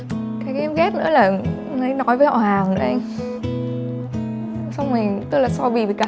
cái em ghét nữa là hay nói với họ hàng nữa ý xong rồi tức là so bì với cả